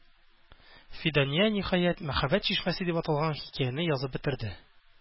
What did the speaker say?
Фидания, ниһаять, "Мәхәббәт чишмәсе" дип аталган хикәяне язып бетерде.